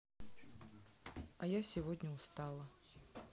а я сегодня устала